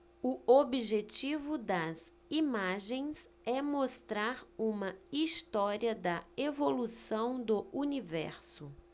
o objetivo das imagens é mostrar uma história da evolução do universo